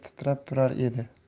titrab turar edi